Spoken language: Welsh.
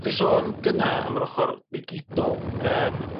Di sôn gynna ym yr ochor digidol yym